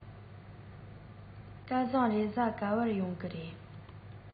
སྐལ བཟང རེས གཟའ ག པར ཡོང གི རེད